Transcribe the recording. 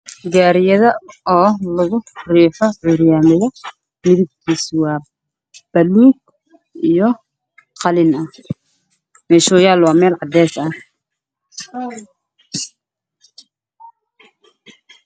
Gaariyo dadka lagu riixo